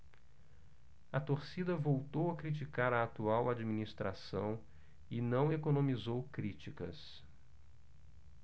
a torcida voltou a criticar a atual administração e não economizou críticas